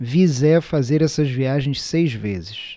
vi zé fazer essas viagens seis vezes